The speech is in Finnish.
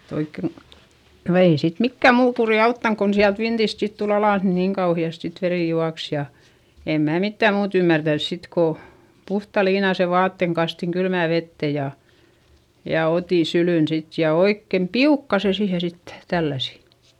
oikein no ei sitten mikään muu kuri auttanut kun sieltä vintistä sitten tuli alas niin niin kauheasti sitten veri juoksi ja en minä mitään muuta ymmärtänyt sitten kun puhtaan liinaisen vaatteen kastoin kylmään veteen ja ja otin syliin sitten ja oikein piukkaan sen siihen sitten tälläsin